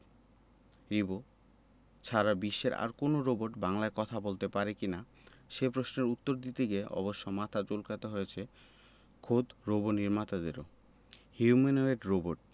রিবো ছাড়া বিশ্বের আর কোনো রোবট বাংলায় কথা বলতে পারে কি না সে প্রশ্নের উত্তর দিতে গিয়ে অবশ্য মাথা চুলকাতে হয়েছে খোদ নির্মাতাদেরও হিউম্যানোয়েড রোবট